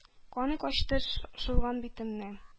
Каны качты сулган битемнең.